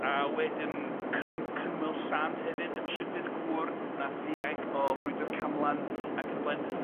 A wedyn Cynw- Cynwyl Sant hefyd, y trydydd gŵr nath ddianc o frwydr Camlan ac yn y blaen.